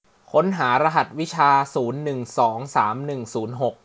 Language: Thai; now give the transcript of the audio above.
ค้นหารหัสวิชาศูนย์หนึ่งสองสามหนึ่งศูนย์หก